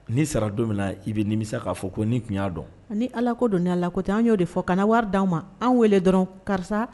N'i sara don min na i bɛ nimisa k'a fɔ ko n'i tun y'a dɔn, ni Alako don ni Alako tɛ an y'o de fɔ, kana wari d'an ma, an wele dɔrɔn karisa